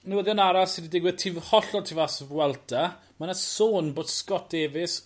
Newyddion arall sy 'di digwydd tu f- hollol tu fas i'r Vuelta ma' 'na sôn bod Scott Davis